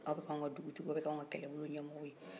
aw bɛ kɛ anw ka dugutigiw ye aw bɛ kɛ anw ka kɛlɛbolo ɲɛmɔgɔw ye